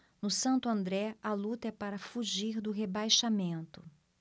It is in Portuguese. no santo andré a luta é para fugir do rebaixamento